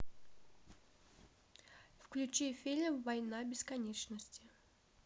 включи фильм война бесконечности